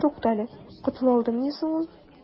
Туктале, котыла алдымыни соң ул?